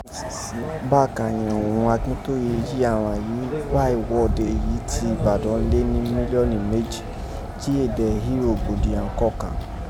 Bákàn yẹ̀n oghun Akintoye jí àghan yìí wa iwode yìí ti Ibadan lé ni miliọnu meji, ji éè dẹ̀n hí rogbodiyan kọ́kàn.